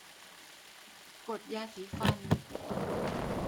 กดยาสีฟัน